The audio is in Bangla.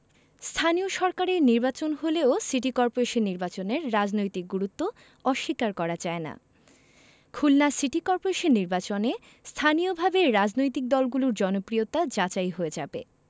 স্থানীয় সরকারের নির্বাচন হলেও সিটি করপোরেশন নির্বাচনের রাজনৈতিক গুরুত্ব অস্বীকার করা যায় না খুলনা সিটি করপোরেশন নির্বাচনে স্থানীয়ভাবে রাজনৈতিক দলগুলোর জনপ্রিয়তা যাচাই হয়ে যাবে